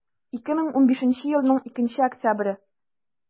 2015 елның 2 октябре